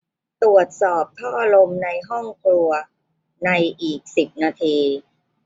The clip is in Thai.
ตรวจสอบท่อลมในห้องครัวในอีกสิบนาที